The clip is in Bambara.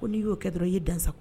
Ko n'i y'o kɛ dɔrɔnw, i ye dan sago.